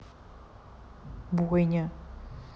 бойня